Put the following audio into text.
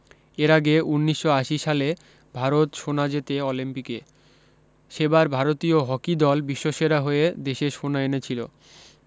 এর আগে উনিশশ আশি সালে ভারত সোনা জেতে অলিম্পিকে সেবার ভারতীয় হকি দল বিশ্বসেরা হয়ে দেশে সোনা এনেছিল